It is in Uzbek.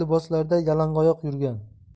liboslarda yalangoyoq yurgan